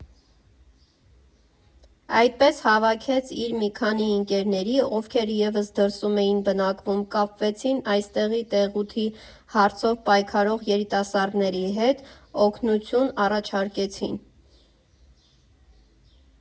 Այդպես, հավաքեց իր մի քանի ընկերների, ովքեր ևս դրսում էին բնակվում, կապվեցին այստեղի Թեղուտի հարցով պայքարող երիտասարդների հետ, օգնություն առաջարկեցին։